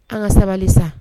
An ka sabali sa